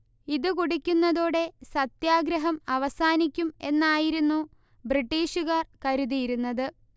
ഇതു കുടിക്കുന്നതോടെ സത്യാഗ്രഹം അവസാനിക്കും എന്നായിരുന്നു ബ്രിട്ടീഷുകാർ കരുതിയിരുന്നത്